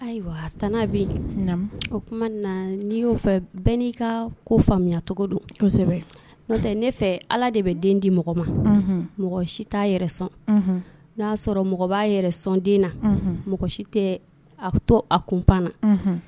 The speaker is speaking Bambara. Ayiwa a' bɛ yen o tuma n'i y'o fɛ bɛɛ n'i ka ko faamuya cogo dun tɛ ne fɛ ala de bɛ den di mɔgɔ ma mɔgɔ si t'a yɛrɛ sɔn n'a y'a sɔrɔ mɔgɔ b'a yɛrɛ sɔn den na mɔgɔ si tɛ a to a kun pan na